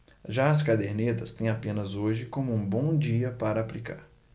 já as cadernetas têm apenas hoje como um bom dia para aplicar